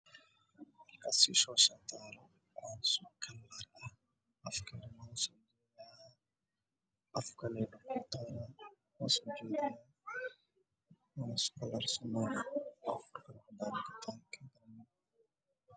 Meeshan waxaa yaalla buumaatooyin fara badan